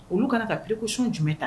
Olu kana ka psi jumɛn ta